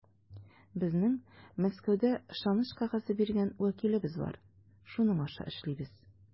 Безнең Мәскәүдә ышаныч кәгазе биргән вәкилебез бар, шуның аша эшлибез.